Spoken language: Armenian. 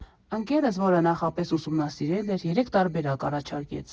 Ընկերս, որը նախապես ուսումնասիրել էր, երեք տարբերակ առաջարկեց։